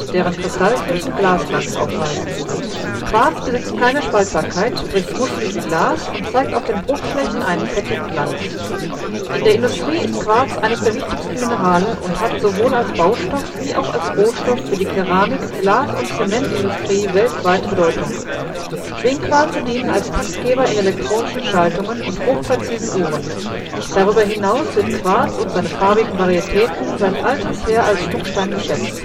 deren Kristallflächen Glasglanz aufweisen. Quarz besitzt keine Spaltbarkeit, bricht muschelig wie Glas und zeigt auf den Bruchflächen einen fettigen Glanz. In der Industrie ist Quarz eines der wichtigsten Minerale und hat sowohl als Baustoff wie auch als Rohstoff für die Keramik -, Glas - und Zementindustrie weltweite Bedeutung. Schwingquarze dienen als Taktgeber in elektronischen Schaltungen und hochpräzisen Uhren. Darüber hinaus wird Quarz und seine farbigen Varietäten seit alters her als Schmuckstein geschätzt